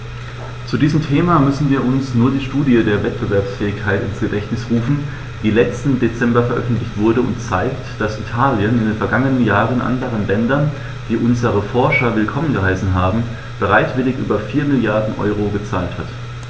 Zu diesem Thema müssen wir uns nur die Studie zur Wettbewerbsfähigkeit ins Gedächtnis rufen, die letzten Dezember veröffentlicht wurde und zeigt, dass Italien in den vergangenen Jahren anderen Ländern, die unsere Forscher willkommen geheißen haben, bereitwillig über 4 Mrd. EUR gezahlt hat.